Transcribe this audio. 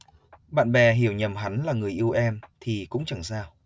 bạn bè hiểu nhầm hắn là người yêu em thì cũng chẳng sao